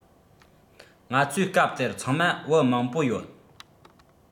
ང ཚོས སྐབས དེར ཚང མ བུ མང པོ ཡོད